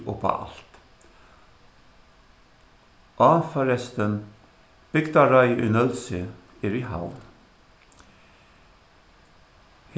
upp á alt á forrestin bygdarráðið í nólsoy er í havn